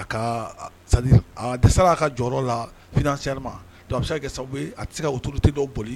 A ka sadiri a dɛsɛla a ka jɔyɔrɔ la finansiɛriman donku a bɛ se ka kɛ sababu ye a tɛ se ka otorite dɔw